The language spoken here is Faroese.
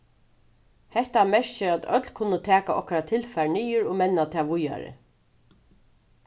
hetta merkir at øll kunnu taka okkara tilfar niður og menna tað víðari